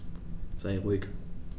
Sei ruhig.